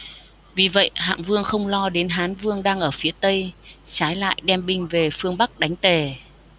vì vậy hạng vương không lo đến hán vương đang ở phía tây trái lại đem binh về phương bắc đánh tề